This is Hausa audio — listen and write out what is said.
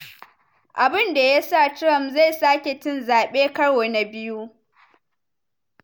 Abun Da Ya Sa Trump Zai Sake Cin Zabe Karo na Biyu